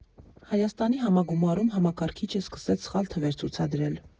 Հայաստանի համագումարում համակարգիչը սկսեց սխալ թվեր ցուցադրել։